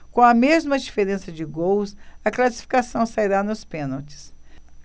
com a mesma diferença de gols a classificação sairá nos pênaltis